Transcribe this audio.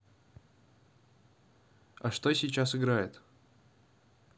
а что сейчас играет